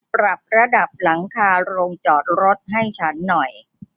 ปรับระดับหลังคาโรงจอดรถให้ฉันหน่อย